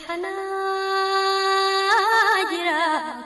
Sangɛnin